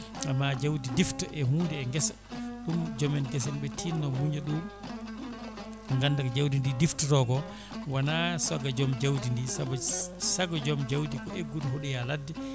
ma jawdi difta e hunde e guesa ɗum joomen guese en ɓe tinno muuña ɗum ganda ko jawdi ndi diftoto ko wona saago joom jawdi ndi saago joom jawdi ko eggude hooɗoya ladde